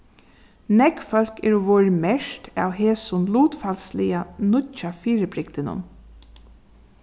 nógv fólk eru vorðin merkt av hesum lutfalsliga nýggja fyribrigdinum